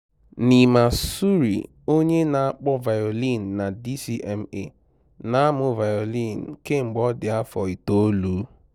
Neema Surri, onye na-akpọ vayolin na DCMA, na-amụ vayolin kemgbe ọ dị afọ 9.